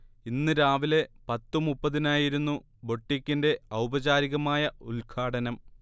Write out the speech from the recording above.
ഇന്ന് രാവിലെ പത്തു മുപ്പതിനായിരുന്നു ബൊട്ടിക്കിന്റെ ഔപചാരികമായ ഉദ്ഘാടനം